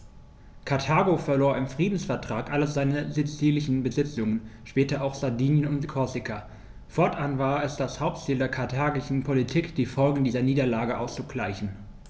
Karthago verlor im Friedensvertrag alle seine sizilischen Besitzungen (später auch Sardinien und Korsika); fortan war es das Hauptziel der karthagischen Politik, die Folgen dieser Niederlage auszugleichen.